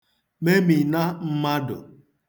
memìna m̄mādụ̀